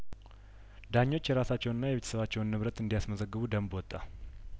ዳኞች የራሳቸውንና የቤተሰባቸውን ንብረት እንዲያስመዘግቡ ደንብ ወጣ